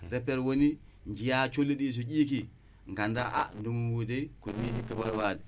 repère